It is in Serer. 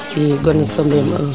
i gen Sombene 1